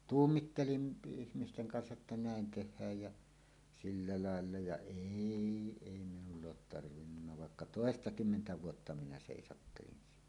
tuumin ihmisten kanssa että näin tehdään ja sillä lailla ja ei ei minulla ole tarvinnut vaikka toistakymmentä vuotta minä seisattelin siinä